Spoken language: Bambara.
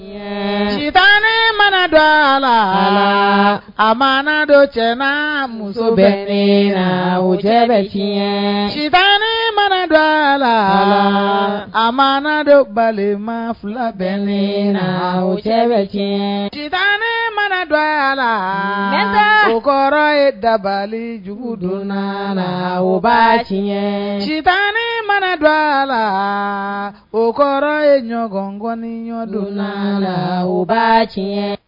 Sita ne mana dɔ a la a ma dɔ cɛ muso bɛ la wo cɛ bɛɲɛ sita mana dɔ a la a ma dɔbalima fila bɛ le la cɛ bɛ tiɲɛ tan ne mana dɔ a la den o kɔrɔ ye dabalijugu don la ba tiɲɛ sita mana don a la o kɔrɔ ye ɲɔgɔnkɔni ɲɔgɔndon la la u ba tiɲɛ